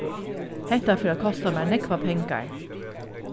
hetta fer at kosta mær nógvar pengar